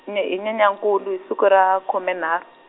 ne hi Nyenyankulu hi siku ra, khume nharhu.